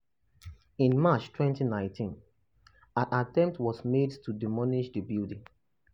In March 2019, an attempt was made to demolish the building.